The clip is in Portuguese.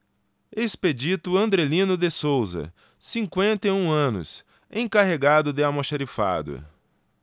expedito andrelino de souza cinquenta e um anos encarregado de almoxarifado